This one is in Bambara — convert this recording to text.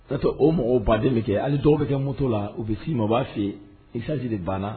N'a o mɔgɔw baden min kɛ hali dɔw bɛ kɛ moto la u bɛ si mɔgɔ b'a fɛ yen isaj de banna